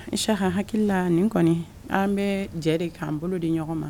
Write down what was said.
Isaka n hakili la nin kɔni an bɛ jɛ de kan bolo di ɲɔgɔn ma.